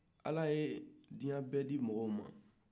ala ye diɲa bɛɛ di mɔgɔw ma